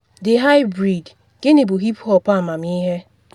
The High Breed: Gịnị bụ hip hop amamịghe?